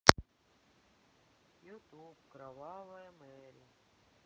ютуб кровавая мэри